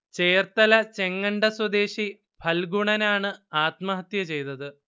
ചേർത്തല ചെങ്ങണ്ട സ്വദേശി ഫൽഗുണനാണ് ആത്മഹത്യ ചെയ്തത്